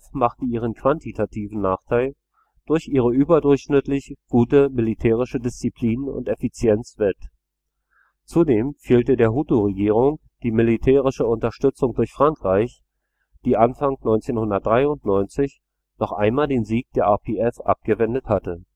machte ihren quantitativen Nachteil durch ihre überdurchschnittlich gute militärische Disziplin und Effizienz wett. Zudem fehlte der Hutu-Regierung die militärische Unterstützung durch Frankreich, die Anfang 1993 noch einmal den Sieg der RPF abgewendet hatte